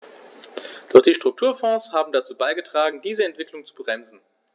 Doch die Strukturfonds haben dazu beigetragen, diese Entwicklung zu bremsen.